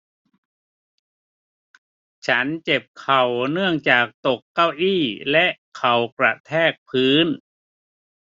ฉันเจ็บเข่าเนื่องจากตกเก้าอี้และเข่ากระแทกพื้น